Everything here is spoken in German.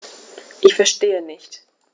Ich verstehe nicht.